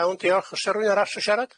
Iawn diolch os a rwyn arall sho siarad?